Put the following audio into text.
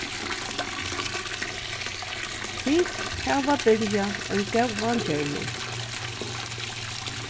tit hava byrjað ein góðan gerning